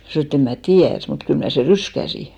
minä sanoin että en minä tiedä mutta kyllä minä sen ryskäsin